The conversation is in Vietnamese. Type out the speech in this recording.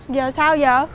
giờ sao giờ